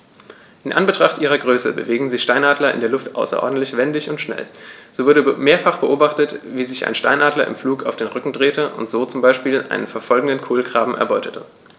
In Anbetracht ihrer Größe bewegen sich Steinadler in der Luft außerordentlich wendig und schnell, so wurde mehrfach beobachtet, wie sich ein Steinadler im Flug auf den Rücken drehte und so zum Beispiel einen verfolgenden Kolkraben erbeutete.